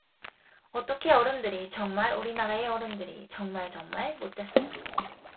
어떻게 어른들이 정말 우리나라의 어른들이 정말정말 못됐어요